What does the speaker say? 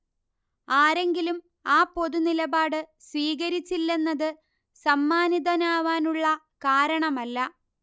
ആരെങ്കിലും ആ പൊതുനിലപാട് സ്വീകരിച്ചില്ലെന്നത് സമ്മാനിതനാവാനുള്ള കാരണമല്ല